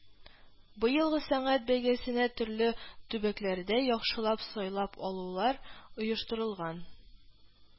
Быелгы сәнгать бәйгесенә төрле төбәкләрдә яхшылап сайлап алулар оештырылган